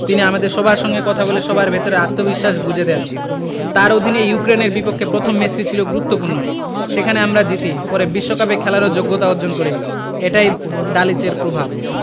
তিনি আমাদের সবার সঙ্গে কথা বলে সবার ভেতরে আত্মবিশ্বাস গুঁজে দেন তাঁর অধীনে ইউক্রেনের বিপক্ষে প্রথম ম্যাচটি ছিল গুরুত্বপূর্ণ সেখানে আমরা জিতি পরে বিশ্বকাপে খেলারও যোগ্যতা অর্জন করি এটাই দলে দালিচের প্রভাব